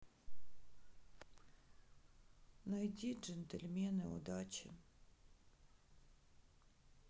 найди джентльмены удачи